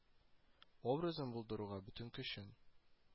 Образын булдыруга бөтен көчен